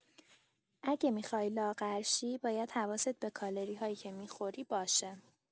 اگه می‌خوای لاغر شی، باید حواست به کالری‌هایی که می‌خوری باشه.